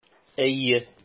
Әйе.